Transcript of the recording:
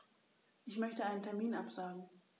Ich möchte einen Termin absagen.